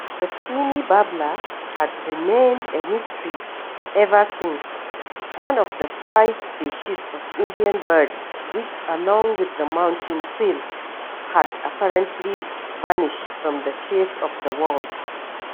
The Spiny Babbler had remained a mystery ever since, one of the five species of Indian birds, which, along with the Mountain Quail, had apparently vanished from the face of the earth.